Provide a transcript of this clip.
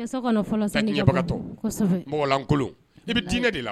Lankolon i de